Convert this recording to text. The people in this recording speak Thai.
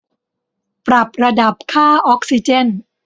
ปรับระดับค่าออกซิเจน